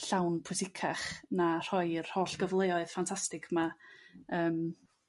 llawn pwysicach na rhoi'r holl gyfleoedd ffantastig 'ma yrm